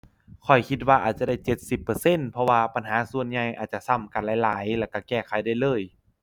ข้อยคิดว่าอาจจะได้เจ็ดสิบเปอร์เซ็นต์ เพราะว่าปัญหาส่วนใหญ่อาจจะซ้ำกันหลายหลาย แล้วก็แก้ไขได้เลย